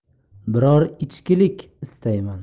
biror ichgilik istayman